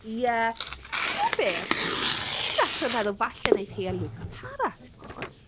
Ie tibo- tibod be? Dwi'n dechrau meddwl falle wneith hi a Luca para tibod.